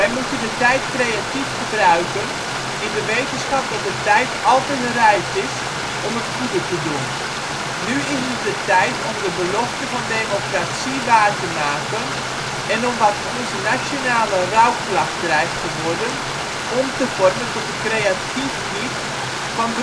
moeten de tijd creatief gebruiken, in de wetenschap dat de tijd altijd rijp is om het goede te doen. Nu is het de tijd om de belofte van democratie waar te maken en om wat onze nationale rouwklacht dreigt te worden om te vormen tot een creatief lied van broederschap